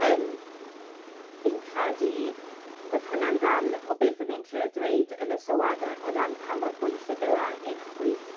Yym fi'n credu o'dd hwnna'n ran o beth o'n i'n trio ddweud yn y sylwade o ran pa mor bwysig yw e i'r chwith